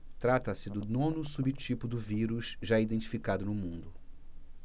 trata-se do nono subtipo do vírus já identificado no mundo